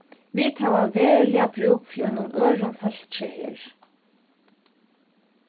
vit hava veruliga brúk fyri einum øðrum fólki her